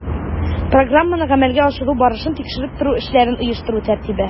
Программаны гамәлгә ашыру барышын тикшереп тору эшләрен оештыру тәртибе